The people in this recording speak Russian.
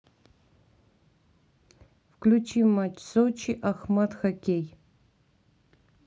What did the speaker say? включи матч сочи ахмат хоккей